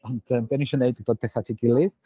Ond yym be o'n i isio wneud oedd dod â petha at ei gilydd.